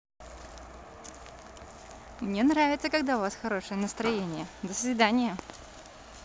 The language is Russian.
мне нравится когда у вас хорошее настроение до свидания